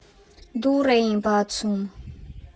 Դուռ էին բացում։